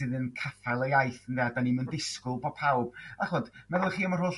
sydd yn caffel y iaith ynde? 'Da ni'm yn disgwyl bo' pawb... a ch'od meddyliwch chi am yr holl